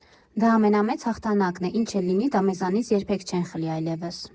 Դա ամենամեծ հաղթանակն է, ինչ էլ լինի՝ դա մեզանից երբեք չեն խլի այլևս»։